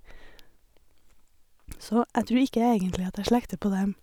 Så jeg tror ikke egentlig at jeg slekter på dem.